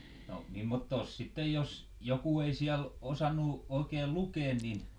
no mimmottoos sitten jos joku ei siellä osannut oikein lukea niin